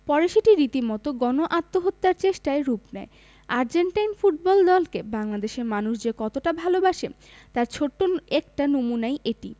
পরে সেটি রীতিমতো গণ আত্মহত্যার চেষ্টায় রূপ নেয় আর্জেন্টাইন ফুটবল দলকে বাংলাদেশের মানুষ যে কতটা ভালোবাসে তার ছোট্ট একটা নমুনাই এটি